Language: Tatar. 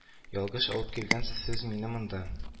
Ялгыш алып килгәнсез сез мине монда